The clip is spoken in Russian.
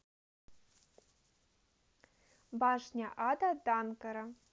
башня ада данкара